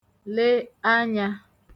le anya